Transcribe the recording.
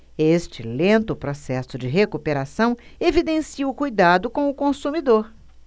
este lento processo de recuperação evidencia o cuidado com o consumidor